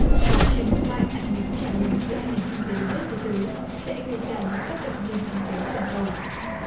cuộc chiến thương mại ăn miếng trả miếng giữa hai nền kinh tế lớn nhất thế giới sẽ gây ra những tác động lên kinh tế toàn cầu